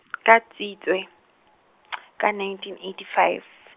ka Tshitswe, ka nineteen eighty five.